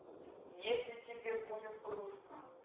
если тебе будет грустно